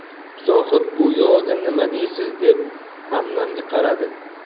zohid bu yog'iga nima deysiz deb hamdamga qaradi